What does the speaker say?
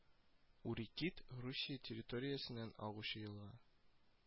Урикид Русия территориясеннән агучы елга